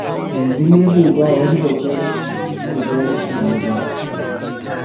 Yanzu Labour ba wani babban majami’a ne ba.